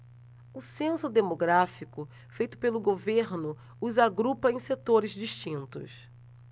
o censo demográfico feito pelo governo os agrupa em setores distintos